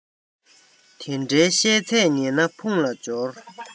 དེ འདྲའི བཤད ཚད ཉན ན ཕུང ལ སྦྱོར